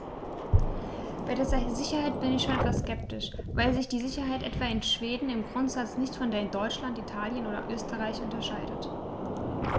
Bei der Sicherheit bin ich schon etwas skeptisch, weil sich die Sicherheit etwa in Schweden im Grundsatz nicht von der in Deutschland, Italien oder Österreich unterscheidet.